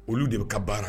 Olu de bɛ ka baara